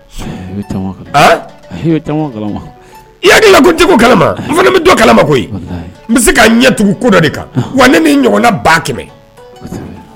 Ya hakililatigiw bɛ kala ko n bɛ se ka ɲɛ tugu ko dɔ de kan wa ne ɲɔgɔn na ba kɛmɛ